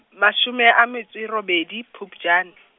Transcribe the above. mashome a metso robedi, Phupjane.